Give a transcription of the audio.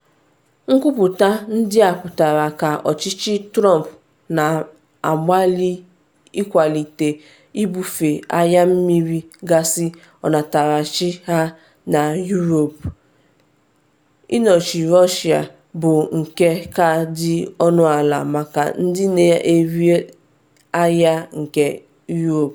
Nkwuputa ndị a pụtara ka ọchịchị Trump na-agbalị ịkwalite ibufe ahịa mmiri gaasị ọnatarachi ha na Europe, ịnọchi Russia, bụ nke ka dị ọnụala maka ndị na-eri ahịa nke Europe.